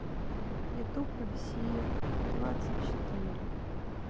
ютуб россия двадцать четыре